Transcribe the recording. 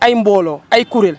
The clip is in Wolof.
ay mbooloo ay kuréel